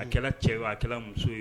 A kɛra cɛ ye akɛla muso ye